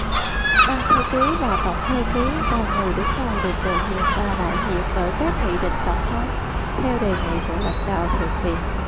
ban thư ký và tổng thư ký là người đứng đầu được bổ nhiệm và bãi nhiệm bởi các nghị định tổng thống theo đề nghị của lãnh đạo thượng viện